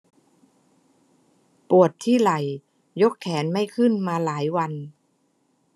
ปวดที่ไหล่ยกแขนไม่ขึ้นมาหลายวัน